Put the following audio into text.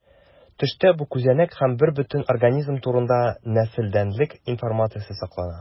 Төштә бу күзәнәк һәм бербөтен организм турында нәселдәнлек информациясе саклана.